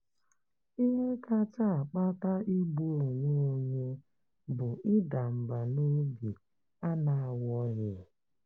Ihe kacha akpata igbu onwe onye bụ ịda mbà n'obi a na-agwọghị.